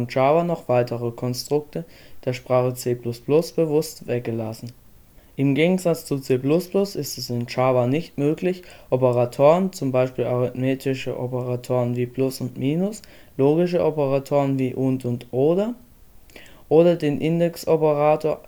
Java noch weitere Konstrukte der Sprache C++ bewusst weggelassen: Im Gegensatz zu C++ ist es in Java nicht möglich, Operatoren (zum Beispiel arithmetische Operatoren wie + und -, logische Operatoren wie && und ||, oder den Index-Operator